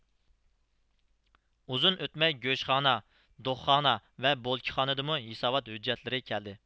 ئۇزۇن ئۆتمەي گۆشخانا دوغخانا ۋە بولىكخاندىنمۇ ھىساۋات ھوججەتلىرى كەلدى